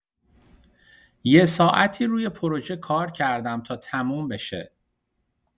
یه ساعتی روی پروژه کار کردم تا تموم بشه.